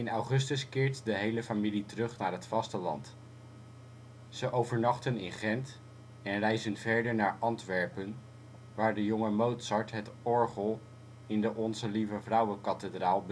augustus keert de hele familie terug naar het vasteland. Ze overnachten in Gent en reizen verder naar Antwerpen waar de jonge Mozart het orgel in de Onze-Lieve-Vrouwekathedraal